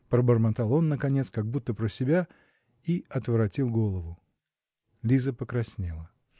-- пробормотал он, наконец, как будто про себя, и отворотил голову. Лиза покраснела.